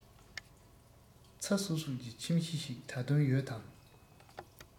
ཚ སོབ སོབ ཀྱི ཁྱིམ གཞིས ཤིག ད དུང ཡོད དམ